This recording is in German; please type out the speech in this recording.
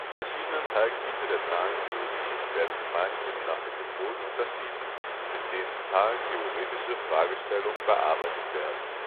verschiedenen Teilgebiete der Zahlentheorie werden gemeinhin nach den Methoden unterschieden, mit denen zahlentheoretische Fragestellungen bearbeitet werden